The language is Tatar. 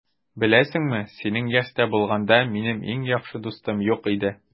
Беләсеңме, синең яшьтә булганда, минем иң яхшы дустым юк иде.